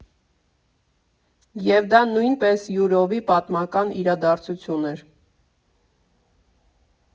Եվ դա նույնպես յուրովի պատմական իրադարձություն էր։